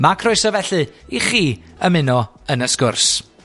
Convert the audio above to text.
Ma' croeso, felly, i chi, ymuno yn y sgwrs.